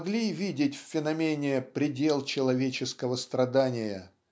могли видеть в феномене предел человеческого страдания